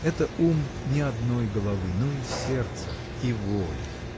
Это ум — не одной головы, но и сердца, и воли.